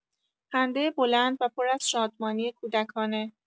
خنده بلند و پر از شادمانی کودکانه